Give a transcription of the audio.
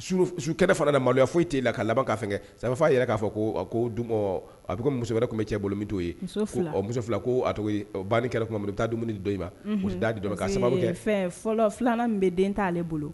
Sukɛ fana maloya foyi t' la ka laban ka kɛ saba'a yɛrɛ k'a ko ko don a muso wɛrɛ tun bɛ cɛ bolo bɛ'o ye muso fila ko bɛ taa dumuni dɔ ma di sababu fɛn fɔlɔ filanan min bɛ den t'ale bolo